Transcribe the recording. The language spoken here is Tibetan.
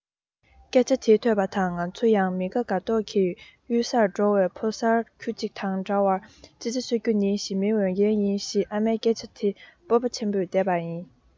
སྐད ཆ དེ ཐོས པ དང ང ཚོ ཡང མི དགའ དགའ མདོག གིས གཡུལ སར འགྲོ བའི ཕོ གསར ཁྱུ གཅིག དང འདྲ བར ཙི ཙི གསོད རྒྱུ ནི ཞི མིའི འོས འགན ཡིན ཞེས ཨ མའི སྐད ཆ དེ སྤོབས པ ཆེན པོས བཟླས པ ཡིན